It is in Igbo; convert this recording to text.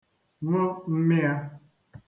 ṅụ mmịa